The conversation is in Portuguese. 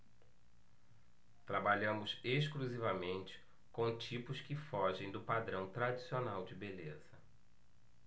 trabalhamos exclusivamente com tipos que fogem do padrão tradicional de beleza